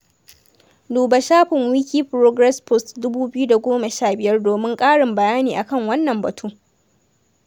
Duba shafin Wikiprogress post-2015 domin ƙarin bayani a kan wannan batun.